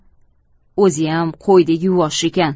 o'ziyam qo'ydek yuvosh ekan